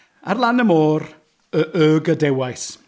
Ar lan y môr y- y gadewais.